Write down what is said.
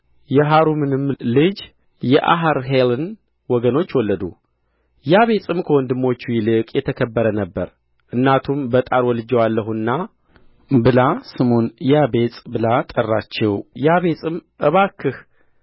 የሃሩምንም ልጅ የአሐርሔልን ወገኖች ወለደ ያቤጽም ከወንድሞቹ ይልቅ የተከበረ ነበረ እናቱም በጣር ወልጄዋለሁና ብላ ስሙን ያቤጽ ብላ ጠራችው ያቤጽም እባክህ